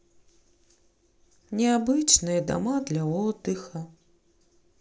необычные дома для отдыха